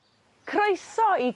Croeso i...